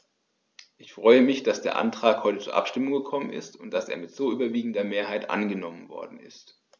Ich freue mich, dass der Antrag heute zur Abstimmung gekommen ist und dass er mit so überwiegender Mehrheit angenommen worden ist.